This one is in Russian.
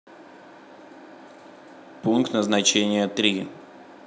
пункт назначения три